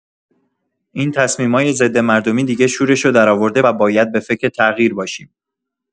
این تصمیمای ضدمردمی دیگه شورشو درآورده و باید به فکر تغییر باشیم.